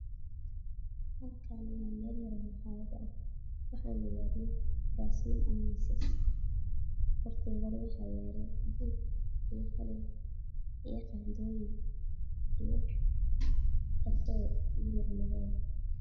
Halkaan waxaa yaalo kuraasman miisas qaandooyin